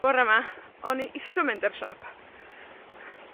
Bore 'ma o'n i isio mynd i'r siop.